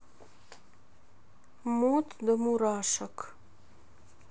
мот до мурашек